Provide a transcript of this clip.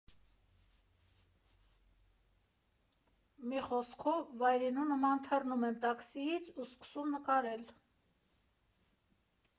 Մի խոսքով, վայրենու նման թռնում եմ տաքսիից ու սկսում նկարել։